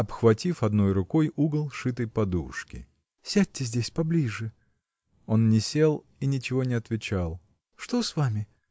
обхватив одной рукой угол шитой подушки. – Сядьте здесь, поближе. Он не сел и ничего не отвечал. – Что с вами?